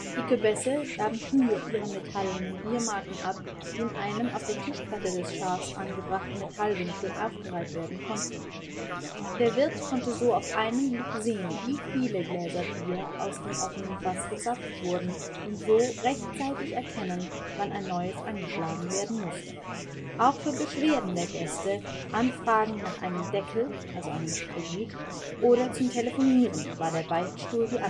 Die Köbesse gaben hier ihre metallenen Biermarken ab, die in einem auf der Tischplatte des Schaafs angebrachten Metallwinkel aufgereiht werden konnten. Der Wirt konnte so auf einen Blick sehen, wie viele Gläser Bier aus dem offenen Fass gezapft wurden und so rechtzeitig erkennen, wann ein neues angeschlagen werden musste. Auch für Beschwerden der Gäste, Anfragen nach einem „ Deckel “(Kredit) oder zum Telefonieren war der Beichtstuhl die Anlaufstelle